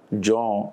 Jɔn